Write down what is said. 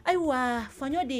Ayiwa faɲɔ de